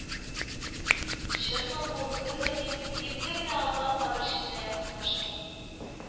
Чынмы бу, түгелме дип, ипле генә атлап кабер читенә якынлаштым